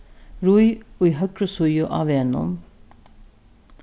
ríð í høgru síðu á vegnum